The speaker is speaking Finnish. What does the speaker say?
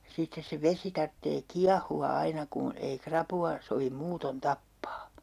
sitten se vesi tarvitsee kiehua aina kun ei rapua sovi muuten tappaa